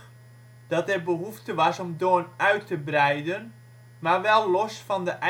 behoefte was om Doorn uit te breiden maar wel los van de